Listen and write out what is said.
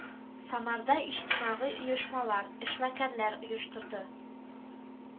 Самарда иҗтимагый оешмалар, эшмәкәрләр оештырды